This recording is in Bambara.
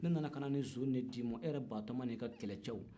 ne nana so in de d'i ma e yɛrɛ batoma n'i ka kɛlɛcɛw